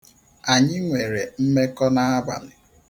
Anyị nwere mmekọ n'abalị.